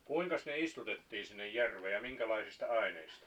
kuinkas ne istutettiin sinne järveen ja minkälaisista aineista